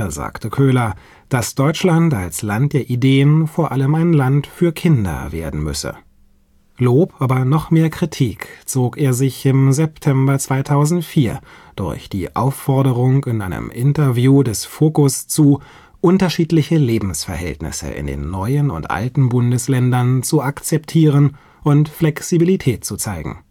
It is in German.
sagte Köhler, „ dass Deutschland als Land der Ideen vor allem ein Land für Kinder “werden müsse. Lob, aber noch mehr Kritik zog er sich im September 2004 durch die Aufforderung in einem Interview des Focus zu, unterschiedliche Lebensverhältnisse in den neuen und alten Bundesländern zu akzeptieren und Flexibilität zu zeigen